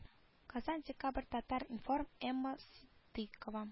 Казан декабрь татар-информ эмма ситдыйкова